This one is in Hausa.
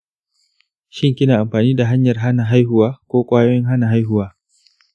shin, kina amfani da hanyar hana haihuwa ko ƙwayoyin hana haihuwa?